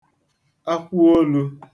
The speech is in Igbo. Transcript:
akwụolù